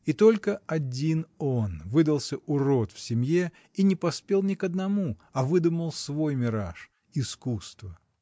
И только один он выдался урод в семье и не поспел ни к одному, а выдумал свой мираж — искусство!